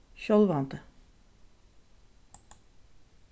sjálvandi